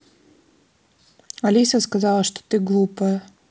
алиса сказала что ты глупая